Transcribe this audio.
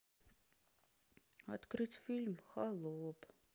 открыть фильм холоп